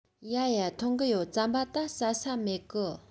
ཡ ཡ འཐུང གི ཡོད རྩམ པ ད ཟ ས མེད གི